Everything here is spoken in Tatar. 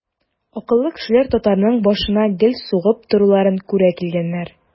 Акыллы кешеләр татарның башына гел сугып торуларын күрә килгәннәр.